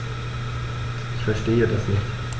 Ich verstehe das nicht.